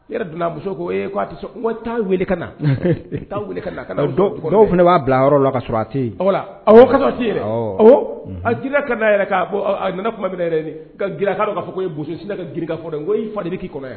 Yɔrɔ dɔ la , a muso ko ee k'a tɛ son., N k'o taa weele ka na, ɛ taa weele, ɛhɛn dɔw fana b'aa bila yɔrɔ dɔ k'a sɔrɔ a tɛ yen. Awɔ , k'a sɔrɔ a tɛ yen, Awɔ. A nan a tuma minna, a y'a don ko n ye Boso ye tuma minna n sina ka girin k'a fɔ fɔ n k'i fa de bɛ k'i kɔnɔn yan.